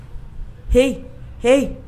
H h